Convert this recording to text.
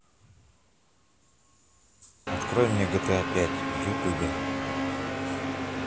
открой мне гта пять в ютубе